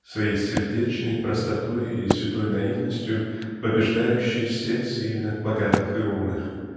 своей сердечной простотой и святой наивностью побеждающий всех сильных богатых и умных